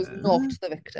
He was not the victim.